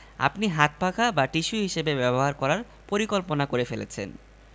আপনি হাতপাখা বা টিস্যু হিসেবে ব্যবহার করার পরিকল্পনা করে ফেলেছেন